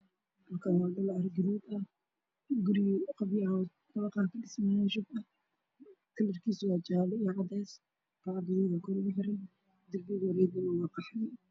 Hal kaani waa dhul cara gaduud ah gurigaan waa qabyo